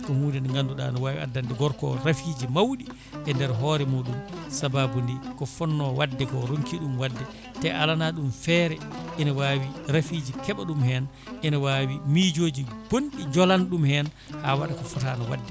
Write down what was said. ko hunde nde ganduɗa ne wawi addande gorko o raafiji mawɗi e nder hoore muɗum sababude ko fonno wadde ko o ronki ɗum wadde te alana ɗum feere ene wawi raafiji keeɓa ɗum hen ene wawi miijoji bonɗi joolana ɗum hen ha wawɗa ko footano wadde